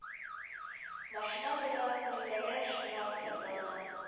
Машина гудогы күңелдәге шомны арттырды гына